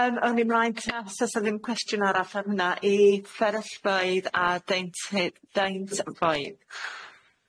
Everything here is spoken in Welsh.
Yym awn ni mlaen te os o's 'na ddim cwestiwn arall ar hynna i fferyllfeydd a deinty- deintyfeydd.